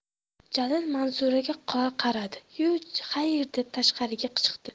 jalil manzuraga qaradi yu xayr deb tashqariga chiqdi